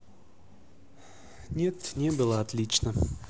нет не было отлично